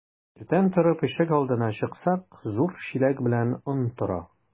Иртән торып ишек алдына чыксак, зур чиләк белән он тора.